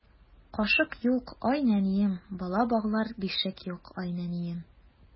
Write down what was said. Кашык юк, ай нәнием, Бала баглар бишек юк, ай нәнием.